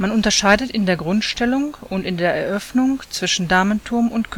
unterscheidet in der Grundstellung und in der Eröffnung zwischen Damenturm und